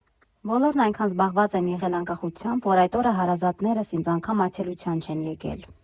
Բոլորն այնքան զբաղված են եղել անկախությամբ, որ այդ օրը հարազատներս ինձ անգամ այցելության չեն եկել։